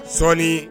Sɔɔni